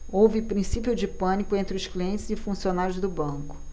houve princípio de pânico entre os clientes e funcionários do banco